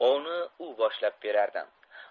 ovni u boshlab berardi